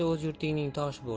o'z yurtingning toshi bo'l